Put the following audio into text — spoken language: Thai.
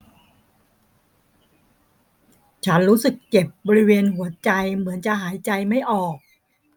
ฉันรู้สึกเจ็บบริเวณหัวใจเหมือนจะหายใจไม่ออก